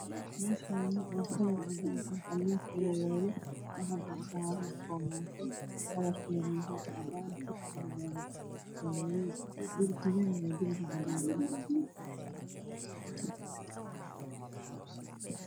Meshani waa kalar cadan ah alwax ayayalo waxa dulsaran bomato kalarkedu yahay cadan furkan waa madow darbigan waa dirbi cadan ah